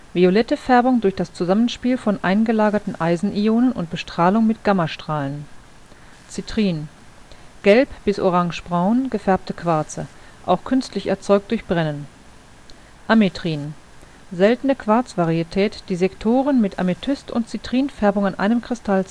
violette Färbung durch das Zusammenspiel von eingelagerten Eisenionen und Bestrahlung mit Gammastrahlen Citrin: gelb bis orangebraun gefärbte Quarze (auch künstlich erzeugt durch Brennen) Ametrin: seltene Quarzvarietät, die Sektoren mit Amethyst - und Citrinfärbung an einem Kristall